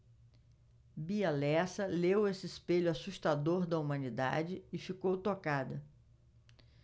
bia lessa leu esse espelho assustador da humanidade e ficou tocada